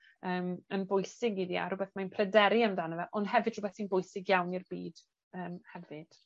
yym yn bwysig iddi a rwbeth mae'n pryderu amdano fe ond hefyd rhwbeth sy'n bwysig iawn i'r byd yym hefyd.